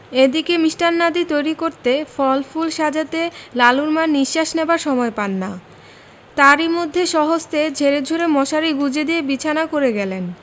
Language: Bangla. এদিকে মিষ্টান্নাদি তৈরি করতে ফল ফুল সাজাতে লালুর মা নিঃশ্বাস নেবার সময় পান না তারই মধ্যে স্বহস্তে ঝেড়েঝুড়ে মশারি গুঁজে দিয়ে বিছানা করে গেলেন